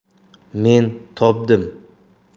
men topdim